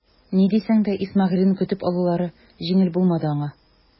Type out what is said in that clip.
Ни дисәң дә Исмәгыйлен көтеп алулары җиңел булмады аңа.